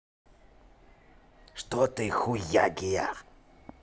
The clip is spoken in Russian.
что ты хуягия